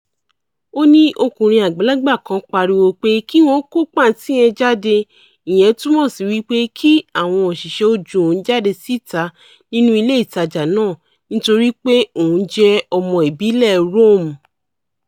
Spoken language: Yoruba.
Ó ní ọkùnrin àgbàlagbà kan pariwo pé kí wọ́n "kó pàǹtí yẹn jáde", ìyẹn túmọ̀ sí wípé kí àwọn òṣìṣẹ́ ó ju òun jáde síta nínú ilé ìtajà náà nítorí pé òun jẹ́ ọmọ ìbílẹ̀ Rome.